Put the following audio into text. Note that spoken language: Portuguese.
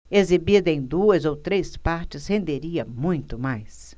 exibida em duas ou três partes renderia muito mais